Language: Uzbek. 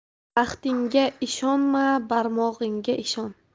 baxtingga ishonma barmog'ingga ishon